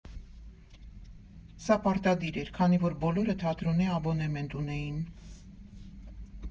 Սա պարտադիր էր, քանի որ բոլորը թատրոնի աբոնեմենտ ունեին։